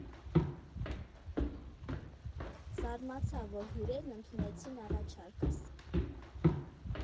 Զարմացա, որ հյուրերն ընդունեցին առաջարկս։